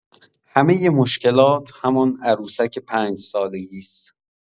همه مشکلات، همان عروسک پنج‌سالگی است.